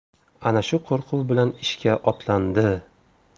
ana shu qo'rquv bilan ishga otlandi